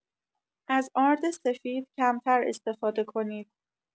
از آرد سفید کمتر استفاده کنید.